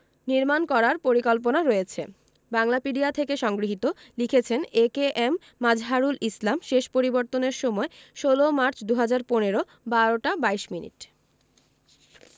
নির্মাণ করার পরিকল্পনা রয়েছে বাংলাপিডিয়া থেকে সংগৃহীত লিখেছেনঃ এ.কে.এম মাযহারুল ইসলাম শেষ পরিবর্তনের সময় ১৬ মার্চ ২০১৫ ১২টা ২২ মিনিট